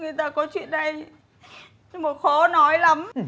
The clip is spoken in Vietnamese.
người ta có chuyện đây nhưng mà khó nói lắm